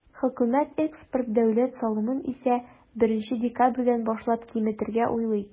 Хөкүмәт экспорт дәүләт салымын исә, 1 декабрьдән башлап киметергә уйлый.